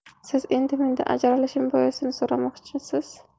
siz endi mendan ajralishim boisini so'ramoqchisiz